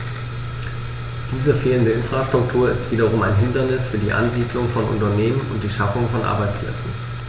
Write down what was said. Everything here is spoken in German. Diese fehlende Infrastruktur ist wiederum ein Hindernis für die Ansiedlung von Unternehmen und die Schaffung von Arbeitsplätzen.